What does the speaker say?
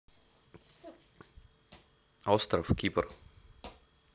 остров кипр